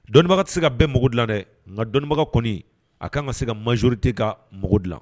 Dɔnnibaga tɛ se ka bɛɛ muago dilan dɛ, nka dɔnnibaga kɔni a kan ka se ka majorité ka mago dilan